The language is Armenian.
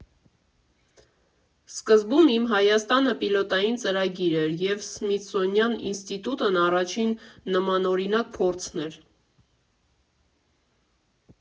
Սկզբում «Իմ Հայաստանը» պիլոտային ծրագիր էր, և Սմիթսոնյան ինստիտուտն առաջին նմանօրինակ փորձն էր։